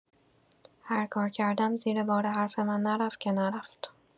هرکار کردم زیر بار حرف من نرفت که نرفت!